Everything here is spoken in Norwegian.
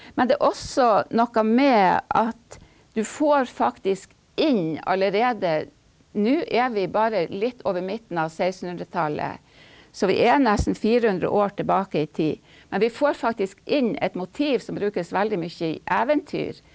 men det er også noe med at du får faktisk inn allerede nå er vi bare litt over midten av sekstenhundretallet, så vi er nesten 400 år tilbake i tid, men vi får faktisk inn et motiv som brukes veldig mye i eventyr.